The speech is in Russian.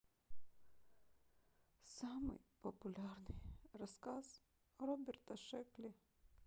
самый популярный рассказ роберта шекли